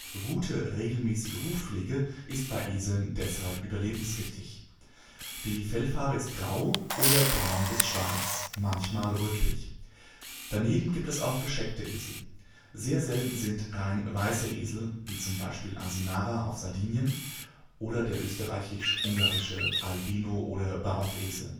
Gute regelmäßige Hufpflege ist bei Eseln deshalb überlebenswichtig. Die Fellfarbe ist grau oder braun bis schwarz, manchmal rötlich. Daneben gibt es auch gescheckte Esel. Sehr selten sind rein weiße Esel (Asinara auf Sardinien, österr. / ungar Albino - oder Barockesel